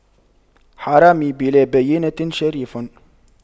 حرامي بلا بَيِّنةٍ شريف